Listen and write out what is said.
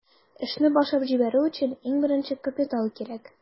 Эшне башлап җибәрү өчен иң беренче капитал кирәк.